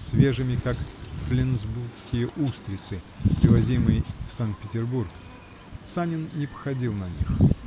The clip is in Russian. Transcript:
свежими, как фленсбургские устрицы, привозимые в С. Петербург . Санин не походил на них.